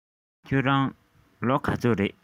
ཁྱེད རང ལོ ག ཚོད རེད